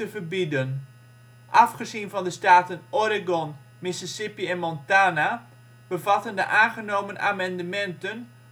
verbieden. Afgezien van de staten Oregon, Mississippi en Montana bevatten de aangenomen amendementen